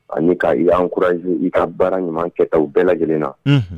Ani k'a'ankuraz i ka baara ɲuman kɛta bɛɛ lajɛlen na